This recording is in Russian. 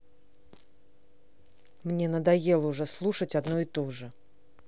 мне надоело уже слушать одно и тоже